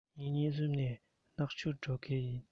ཉིན གཉིས གསུམ ནས ནག ཆུར འགྲོ གི ཡིན